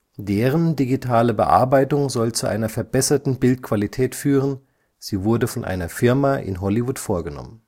Deren digitale Bearbeitung soll zu einer verbesserten Bildqualität führen, sie wurde von einer Firma in Hollywood vorgenommen